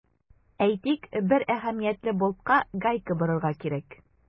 Әйтик, бер әһәмиятле болтка гайка борырга кирәк.